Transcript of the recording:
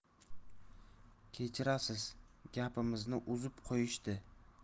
kechirasiz gapimizni uzib qo'yishdi